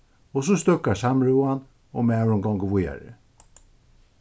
og so steðgar samrøðan og maðurin gongur víðari